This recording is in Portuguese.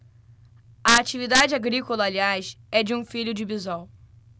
a atividade agrícola aliás é de um filho de bisol